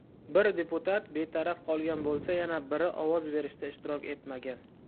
bir deputat betaraf qolgan bo'lsa yana biri ovoz berishda ishtirok etmagan